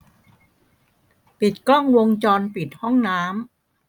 ปิดกล้องวงจรปิดห้องน้ำ